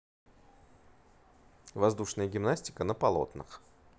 воздушная гимнастика на полотнах